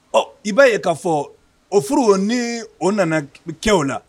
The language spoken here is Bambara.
Ɔ, i b'a ye k'a fɔ, o furu o ni o nana kɛ o la